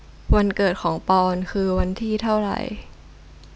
วันเกิดของปอนด์คือวันที่เท่าไร